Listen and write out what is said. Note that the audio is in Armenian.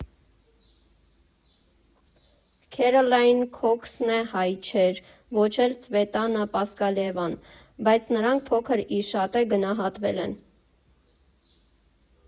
Քերոլայն Քոքսն էլ հայ չէր, ոչ էլ Ցվետանա Պասկալևան, բայց նրանք փոքր ի շատե գնահատվել են։